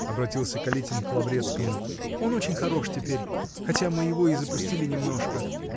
-- обратился Калитин к Лаврецкому, -- он очень хорош теперь, хотя мы его и запустили немножко.